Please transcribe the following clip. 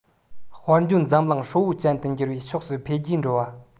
དཔལ འབྱོར འཛམ གླིང ཧྲིལ པོ ཅན དུ འགྱུར བའི ཕྱོགས སུ འཕེལ རྒྱས འགྲོ བ